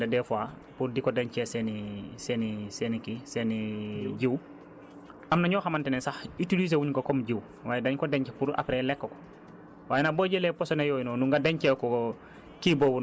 parce que des fois damay gis ci posone yi ñuy faral di jënd des fois pour di ko dencee seen i seen i seen i kii seen i jiwu am na ñoo xamante ne sax utiliser wuñ ko comme jiwu waaye dañ ko denc pour après lekk ko